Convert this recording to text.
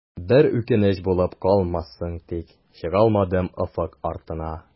Бер үкенеч булып калмассың тик, чыгалмадым офык артына.